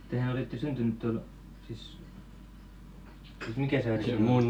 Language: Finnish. tehän olette syntynyt tuolla siis siis mikä saari se olikaan